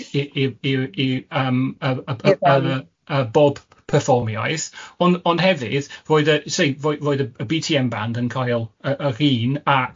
i i i i'r yym y y y bob perfformiaeth, ond ond hefyd roedd y sori roedd roedd y y Bee Tee Em band yn cael y yr un ac